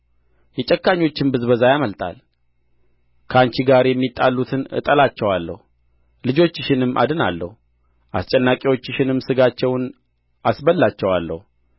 የጨካኞችም ብዝበዛ ያመልጣል ከአንቺ ጋር የሚጣሉትን እጣላቸዋለሁ ልጆችሽንም አድናለሁ አስጨናቂዎችሽንም ሥጋቸውን አስበላቸዋለሁ